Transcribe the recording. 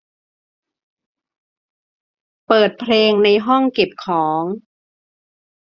เปิดเพลงในห้องเก็บของ